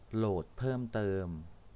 โหลดเพิ่มเติม